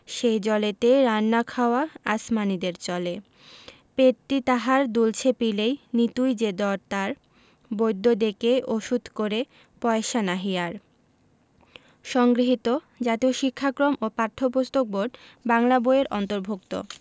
সেই জলেতে রান্না খাওয়া আসমানীদের চলে পেটটি তাহার দুলছে পিলেয় নিতুই যে জ্বর তার বৈদ্য ডেকে ওষুধ করে পয়সা নাহি আর সংগৃহীত জাতীয় শিক্ষাক্রম ও পাঠ্যপুস্তক বোর্ড বাংলা বই এর অন্তর্ভুক্ত